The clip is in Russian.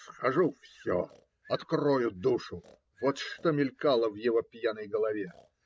"Скажу все, открою душу", - вот что мелькало в его пьяной голове.